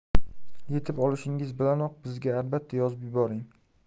yetib olishingiz bilanoq bizga albatta yozib yuboring